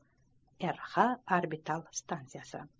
rx orbital stansiyasi